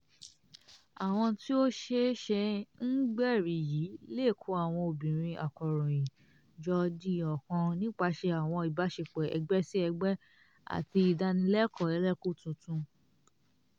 Àwùjọ tí ó ṣẹ̀ṣẹ̀ ń gbérí yìí lè kó àwọn obìnrin akọ̀ròyìn jọ di ọ̀kan nípasẹ̀ àwọn ìbáṣepọ̀ ẹgbẹ́-sí-ẹgbẹ́ àti ìdánilẹ́kọ̀ọ́ ẹlẹ́kùn tuntun.